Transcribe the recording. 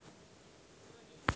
омнитрикс вральности